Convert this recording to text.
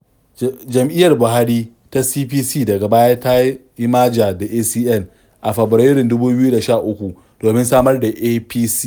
Jam'iyyar Buhari ta CPC daga baya ta yi maja da ACN, a Fabarairun 2013, domin samar da APC.